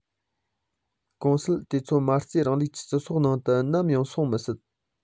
གོང གསལ དེ ཚོ མ རྩའི རིང ལུགས ཀྱི སྤྱི ཚོགས ནང དུ ནམ ཡང ཡོང མི སྲིད